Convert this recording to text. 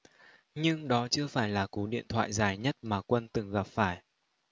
nhưng đó chưa phải là cú điện thoại dài nhất mà quân từng gặp phải